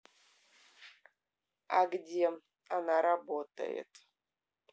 а где она работает